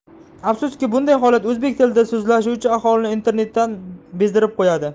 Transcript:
afsuski bunday holat o'zbek tilida so'zlashuvchi aholini internetdan bezdirib qo'yadi